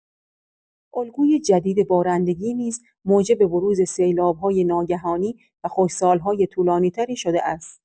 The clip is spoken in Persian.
الگوهای جدید بارندگی نیز موجب بروز سیلاب‌های ناگهانی و خشکسالی‌های طولانی‌تر شده است.